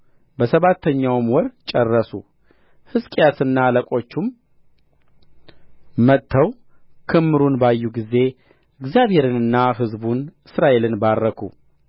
በሰባተኛውም ወር ጨረሱ ሕዝቅያስና አለቆቹም መጥተው ክምሩን ባዩ ጊዜ እግዚአብሔርና ሕዝቡን እስራኤልን ባረኩ